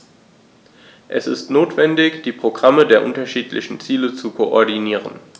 Es ist notwendig, die Programme der unterschiedlichen Ziele zu koordinieren.